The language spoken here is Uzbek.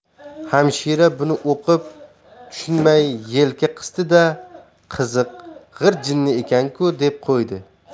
hamshira buni o'qib tushunmay yelka qisdi da qiziq g'irt jinni ekan ku deb qo'ydi